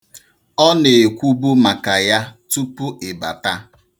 Ọ na-ekwubu maka ya tupu ịbata.